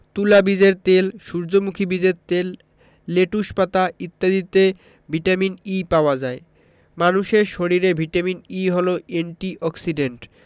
তুলা বীজের তেল সূর্যমুখী বীজের তেল লেটুস পাতা ইত্যাদিতে ভিটামিন ই পাওয়া যায় মানুষের শরীরে ভিটামিন ই হলো এন্টি অক্সিডেন্ট